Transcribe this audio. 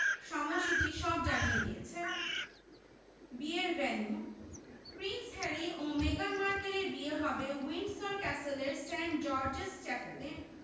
সময়সূচী সব জানিয়ে দিয়েছে বিয়ের ভেন্যু প্রিন্স হ্যারি ও মেগান মার্কেলের বিয়ে হবে উইন্ডসর ক্যাসেলের সেন্ট জর্জেস চ্যাপেলে